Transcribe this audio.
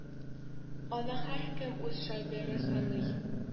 Аны һәркем үз шагыйре саный